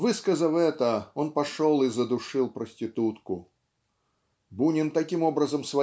высказав это, он пошел и задушил проститутку. Бунин таким образом